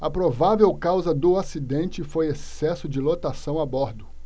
a provável causa do acidente foi excesso de lotação a bordo